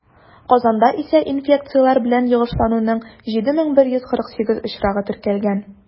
Казанда исә инфекцияләр белән йогышлануның 7148 очрагы теркәлгән.